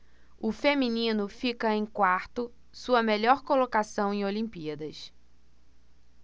o feminino fica em quarto sua melhor colocação em olimpíadas